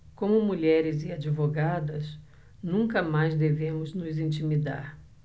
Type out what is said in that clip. como mulheres e advogadas nunca mais devemos nos intimidar